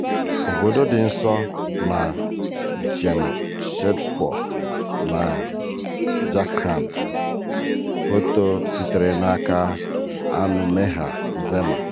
Obodo dị nso na Jamshedpur na Jharkhand. Foto sitere n'aka Anumeha Verma